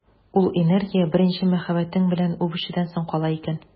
Ул энергия беренче мәхәббәтең белән үбешүдән соң кала икән.